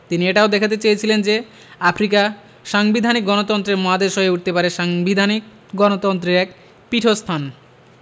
তিনি এটাও দেখাতে চেয়েছিলেন যে আফ্রিকা সাংবিধানিক গণতন্ত্রের মহাদেশ হয়ে উঠতে পারে সাংবিধানিক গণতন্ত্রের এক পীঠস্থান